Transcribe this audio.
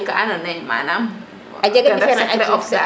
ka nado naye manaam ten ref secret of